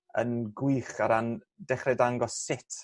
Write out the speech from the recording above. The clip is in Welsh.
yn gwych a ran dechre dangos sut